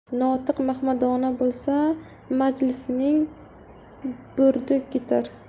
notiq mahmadana bo'lsa majlisning burdi ketar